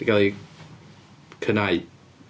'Di cael ei... cynnau.